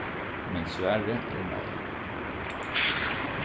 men svarið er nei